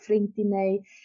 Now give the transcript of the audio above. ffrind 'di neu'.